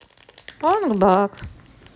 онг бак